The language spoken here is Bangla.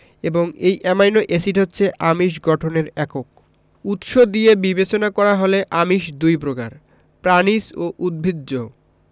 এবং এই অ্যামাইনো এসিড হচ্ছে আমিষ গঠনের একক উৎস দিয়ে বিবেচনা করা হলে আমিষ দুই প্রকার প্রাণিজ ও উদ্ভিজ্জ